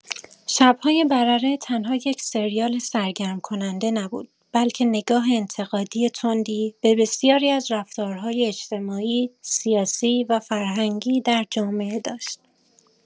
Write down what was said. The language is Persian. شب‌های برره تنها یک سریال سرگرم‌کننده نبود، بلکه نگاه انتقادی تندی به بسیاری از رفتارهای اجتماعی، سیاسی و فرهنگی در جامعه داشت.